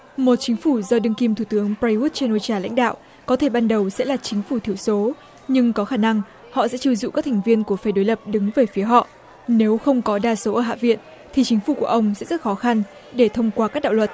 một chính phủ do đương kim thủ tướng pay út chan ô cha lãnh đạo có thể ban đầu sẽ là chính phủ thiểu số nhưng có khả năng họ sẽ chiêu dụ các thành viên của phe đối lập đứng về phía họ nếu không có đa số ở hạ viện thì chính phủ của ông sẽ rất khó khăn để thông qua các đạo luật